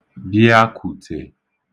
bị̄ākwùtè